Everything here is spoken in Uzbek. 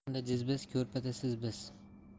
qozonda jiz biz ko'rpada siz biz